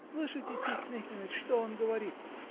Слышите, Тит Никоныч, что он говорит!